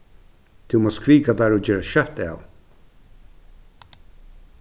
tú mást kvika tær og gera skjótt av